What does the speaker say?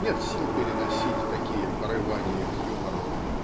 нет сил переносить такие порывания к юмору.